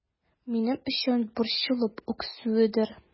Минем өчен борчылып үксүедер...